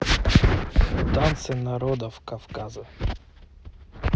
танцы народов кавказа